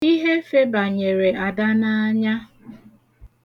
Ihe febanyere Ada n'anya